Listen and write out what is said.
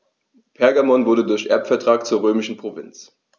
Pergamon wurde durch Erbvertrag zur römischen Provinz.